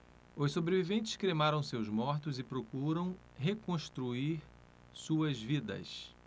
os sobreviventes cremaram seus mortos e procuram reconstruir suas vidas